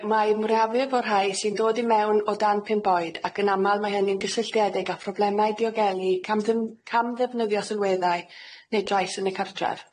Mae- Mae'r mwyafrif o'r rhai sy'n dod i mewn o dan pump oed ac yn amal mae hynny'n gysylltiedig â phroblemau diogeli, cam ddim-, cam ddefnyddio sylweddau neu drais yn y cartref.